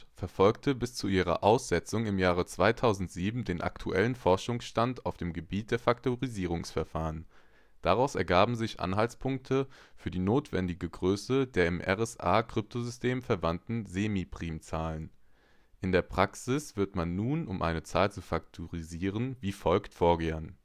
verfolgte bis zu ihrer Aussetzung im Jahre 2007 den aktuellen Forschungsstand auf dem Gebiet der Faktorisierungsverfahren. Daraus ergaben sich Anhaltspunkte für die notwendige Größe der im RSA-Kryptosystem verwandten Semiprimzahlen. In der Praxis wird man, um eine Zahl zu faktorisieren, wie folgt vorgehen